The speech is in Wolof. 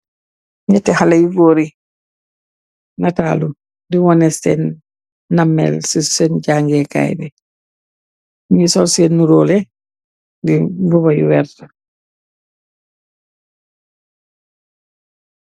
Ñietti xale yu góor yi, nataalu di wone seen namel ci sën jangeekaay bi. Ñuy sol seen nuróole, di mbuba yu werta.